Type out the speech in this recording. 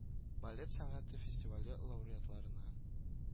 Балет сәнгате фестивале лауреатларына